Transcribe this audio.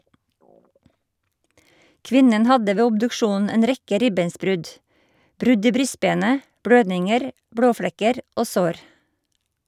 Kvinnen hadde ved obduksjonen en rekke ribbensbrudd, brudd i brystbenet , blødninger, blåflekker og sår.